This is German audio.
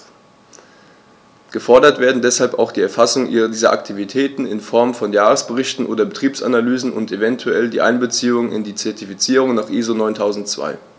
Gefordert werden deshalb auch die Erfassung dieser Aktivitäten in Form von Jahresberichten oder Betriebsanalysen und eventuell die Einbeziehung in die Zertifizierung nach ISO 9002.